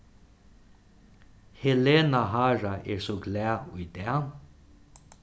helena hara er so glað í dag